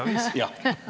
ja.